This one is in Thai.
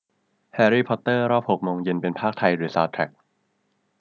แฮรี่พอตเตอร์รอบหกโมงเย็นเป็นพากย์ไทยหรือซาวด์แทรก